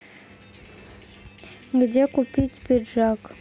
где купить пиджак